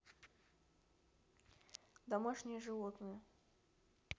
домашнее животное